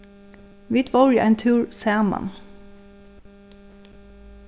vit vóru ein túr saman